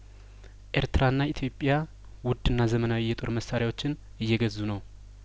ኤርትራና ኢትዮጵያ ውድና ዘመናዊ የጦር መሳሪያዎችን እየገዙ ነው